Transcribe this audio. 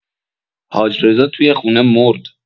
حاج رضا توی خونه مرد.